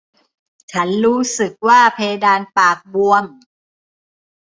ฉันรู้สึกว่าเพดานปากบวม